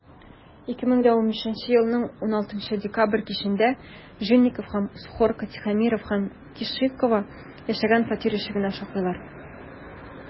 2015 елның 16 декабрь кичендә жильников һәм сухарко тихомиров һәм кешикова яшәгән фатир ишегенә шакыйлар.